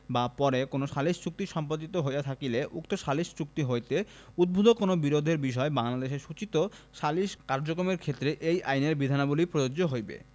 বা পরে কোন সালিস চুক্তি সম্পাদিত হইয়া থাকিলে উক্ত সালিস চুক্তি হইতে উদ্ভুত কোন বিরোধের বিষয়ে বাংলাদেশে সূচিত সালিস কার্যক্রমের ক্ষেত্রে এই আইনের বিধানাবলী প্রযোজ্য হইবে